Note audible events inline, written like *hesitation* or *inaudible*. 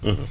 *hesitation* *hesitation*